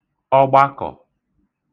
ọgbakọ̀